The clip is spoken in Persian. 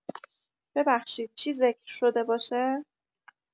ببخشید چی ذکر شده باشه؟